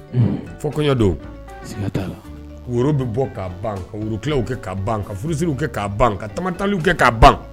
Fo kɔɲɔ don t la woro bɛ bɔ'a ban ka worolaw kɛ ka ban ka furuurusiw kɛ'a ban ka tamataliw kɛ ka ban